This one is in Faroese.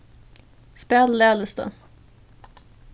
spæl laglistan